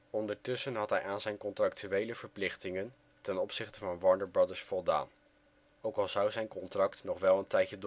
Ondertussen had hij aan zijn contractuele verplichtingen ten opzichte van Warner Brothers voldaan, ook al zou zijn contract nog wel een tijdje doorlopen